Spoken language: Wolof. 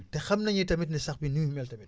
te xam nañu tamit ne sax bi ni muy mel tamit